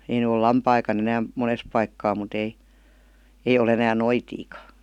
ei nyt ole lampaitakaan enää monessa paikkaa mutta ei ei ole enää noitiakaan